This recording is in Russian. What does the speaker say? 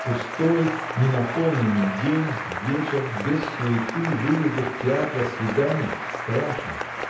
Пустой, ненаполненный день, вечер — без суеты, выездов, театра, свиданий — страшен.